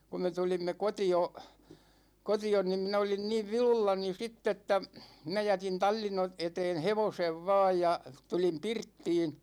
kun me tulimme kotiin kotiin niin minä olin niin vilullani sitten että minä jätin tallin - eteen hevosen vain ja tulin pirttiin